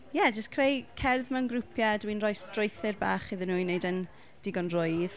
ie jyst creu cerdd mewn grwpiau. Dwi'n rhoi strwythur bach iddyn nhw i wneud e'n digon rwydd.